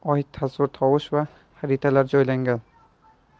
yerga oid tasvir tovush va xaritalar joylangan